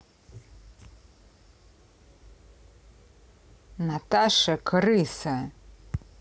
наташа крыса